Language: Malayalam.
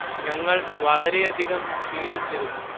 ഞങ്ങൾ വളരെയധികം ക്ഷീണിച്ചിരുന്നു